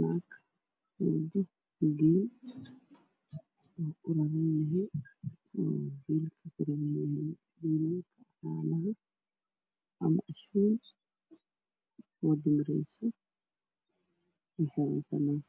Waa naag iyo labo canug